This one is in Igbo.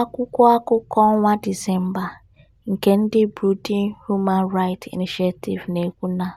Akwụkwọ akụkọ ọnwa Disemba nke ndị Burundi Human Rights Initiative na-ekwu na,